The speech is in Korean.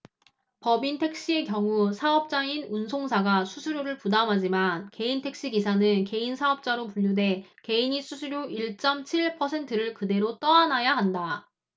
법인택시의 경우 사업자인 운송사가 수수료를 부담하지만 개인택시 기사는 개인사업자로 분류돼 개인이 수수료 일 쩜 칠 퍼센트를 그대로 떠안아야 한다